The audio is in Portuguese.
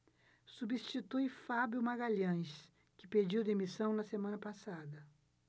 substitui fábio magalhães que pediu demissão na semana passada